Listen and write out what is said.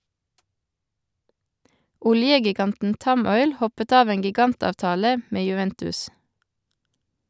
Oljegiganten Tamoil hoppet av en gigantavtale med Juventus.